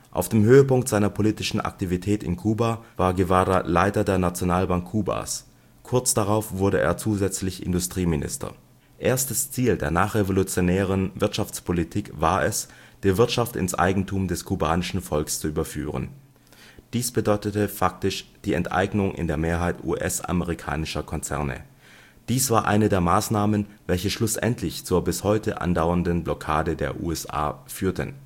Auf dem Höhepunkt seiner politischen Aktivität in Kuba war Guevara Leiter der Nationalbank Kubas. Kurz darauf wurde er zusätzlich Industrieminister. Erstes Ziel der nachrevolutionären Wirtschaftspolitik war es, die Wirtschaft ins Eigentum des Kubanischen Volks zu überführen. Dies bedeutete faktisch die Enteignung in der Mehrheit US-amerikanischer Konzerne. Dies war eine der Maßnahmen, welche schlussendlich zur bis heute andauernden Blockade der USA führten